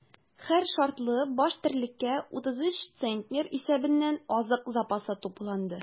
Һәр шартлы баш терлеккә 33 центнер исәбеннән азык запасы тупланды.